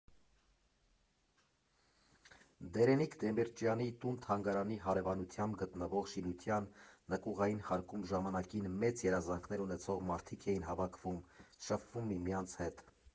Դերենիկ Դեմիրճյանի տուն֊թանգարանի հարևանությամբ գտնվող շինության նկուղային հարկում ժամանակին մեծ երազանքներ ունեցող մարդիկ էին հավաքվում, շփվում միմյանց հետ։